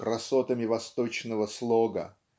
красотами восточного слога.